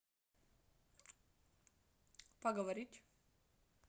поговорить